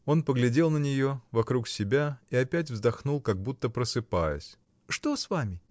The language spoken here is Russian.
Он поглядел на нее, вокруг себя и опять вздохнул, как будто просыпаясь. — Что с вами?